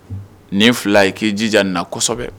Nin 2 i k'i jija ni na kosɛbɛ.